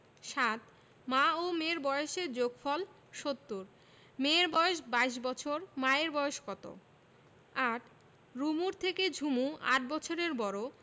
৭ মা ও মেয়ের বয়সের যোগফল ৭০ মেয়ের বয়স ২২ বছর মায়ের বয়স কত ৮ রুমুর থেকে ঝুমু ৮ বছরের বড়